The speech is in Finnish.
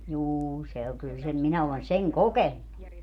juu se on kyllä sen minä olen sen kokenut